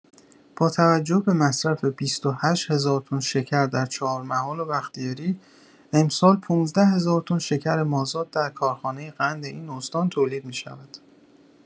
باتوجه به مصرف ۲۸ هزار تن شکر در چهارمحال و بختیاری، امسال ۱۵ هزارتن شکر مازاد در کارخانه قند این استان تولید می‌شود.